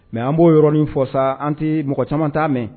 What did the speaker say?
Mɛ an b'oɔrɔnin fɔsa an tɛ mɔgɔ caman' mɛn